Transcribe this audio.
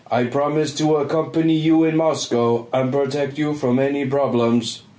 I promise to accompany you in Moscow and protect you from any problems.